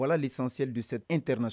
Wali san seli inrna